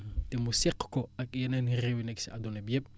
te mu seq ko ak yeneeni réew yu nekk si adduna bi yëpp